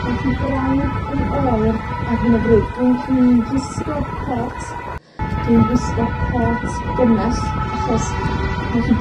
Mae hi braidd yn oer ar hyn o bryd. Dwi'n dwi'n' gwisgo cot. Dwi'n gwisgo cot gynnes achos mae hi